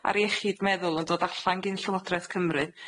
ar iechyd meddwl yn dod allan gin Llywodraeth Cymru.